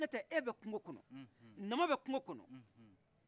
e bɛ kungo kɔnɔ nama bɛ kungo kɔnɔ